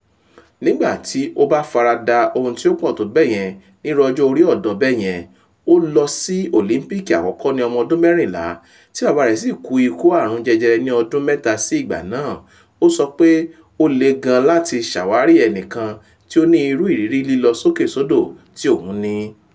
"Nígbà tí ó bá farada ohun tí ó pọ̀ tó bẹ́yẹn ní irú ọjọ́ orí ọ̀dọ̀ bẹ́yẹn“ - o lọ sí Òlíńpíìkì àkọ́kọ́ ní ọmọ ọdún 14 tí bàbá rẹ̀ sì kú ikú àrùn jẹjẹrẹ ní ọdún mẹ́tà sí ìgbà náà - ó sọ pé ó le gan an láti ṣàwárí ẹnìkan tí ó ní ìrú ìrírí lílọ sókè sódò tí òun ní.